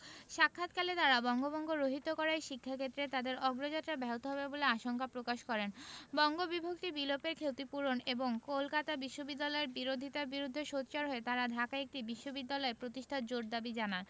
সাক্ষাৎকালে তাঁরা বঙ্গভঙ্গ রহিত করায় শিক্ষাক্ষেত্রে তাদের অগ্রযাত্রা ব্যাহত হবে বলে আশঙ্কা প্রকাশ করেন বঙ্গবিভক্তি বিলোপের ক্ষতিপূরণ এবং কলকাতা বিশ্ববিদ্যালয়ের বিরোধিতার বিরুদ্ধে সোচ্চার হয়ে তারা ঢাকায় একটি বিশ্ববিদ্যালয় প্রতিষ্ঠার জোর দাবি জানান